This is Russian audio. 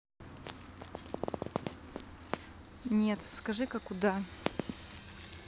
нет скажи ка куда